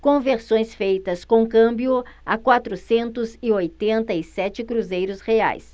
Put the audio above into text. conversões feitas com câmbio a quatrocentos e oitenta e sete cruzeiros reais